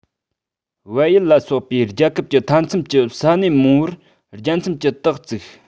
བལ ཡུལ ལ སོགས པའི རྒྱལ ཁབ ཀྱི མཐའ མཚམས ཀྱི ས གནས མང པོར རྒྱལ མཚམས ཀྱི རྟགས བཙུགས